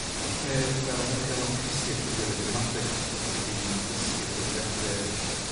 yn lle fel efo rheola Cysill y gwirydd gramadeg yw'ch y bo chi'n dysgu'r cyfrifiadur